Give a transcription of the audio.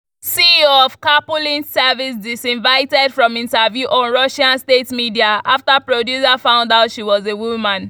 CEO of carpooling service disinvited from interview on Russian state media after producer found out she was a woman